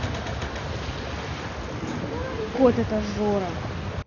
кот это жора